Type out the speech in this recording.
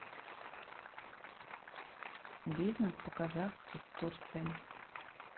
бизнес по казахски в турции